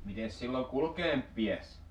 mitenkäs silloin kulkea pitäisi